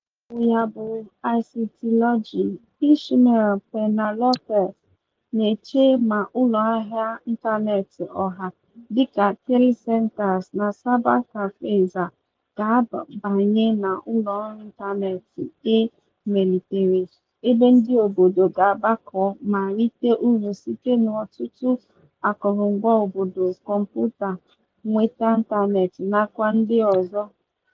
Na blọọgụ ya bụ ICTlogy, Ismael Peña-López na-eche ma ụlọahịa ịntaneetị ọha dịka telecentres na cybercafés a ga-abanye na ụlọọrụ ịntaneetị e melitere, “ebe ndị obodo ga-agbakọ̀ ma rite uru sitere n'ọtụtụ akụrụngwa obodo, kọmputa, nnweta ịntaneetị nakwa ndị ọzọ?